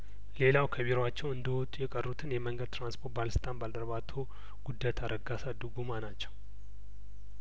ሌላው ከቢሯቸው እንደወጡ የቀሩትን የመንገድ ትራንስፖርት ባለስልጣን ባልደረባ አቶ ጉደታ ረጋሳ ዱጉማ ናቸው